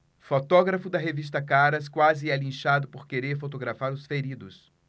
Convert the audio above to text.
fotógrafo da revista caras quase é linchado por querer fotografar os feridos